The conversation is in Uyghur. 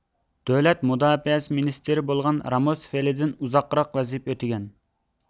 دۆلەت مۇداپىئەسى مىنىستىرى بولغان راموسفېلېددىن ئۇزاقراق ۋەزىپە ئۆتىگەن